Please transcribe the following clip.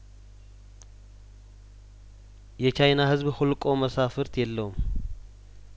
የቻይና ህዝብሁ ልቆ መሳፍርት የለውም